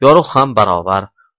yorug' ham baravar